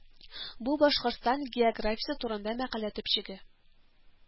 Бу Башкортстан географиясе турында мәкалә төпчеге